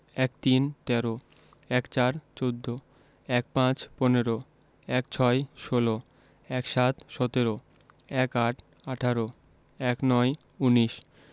১৩ তেরো ১৪ চৌদ্দ ১৫ পনেরো ১৬ ষোল ১৭ সতেরো ১৮ আঠারো ১৯ উনিশ